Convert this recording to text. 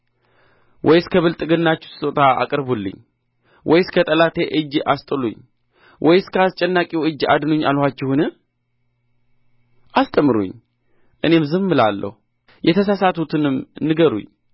ወይስ ከብልጥግናችሁ ስጦታ አቅርቡልኝ ወይስ ከጠላቴ እጅ አስጥሉኝ ወይስ ከአስጨናቂው እጅ አድኑኝ አልኋችሁን አስተምሩኝ እኔም ዝም እላለሁ የተሳሳትሁትንም ንገሩኝ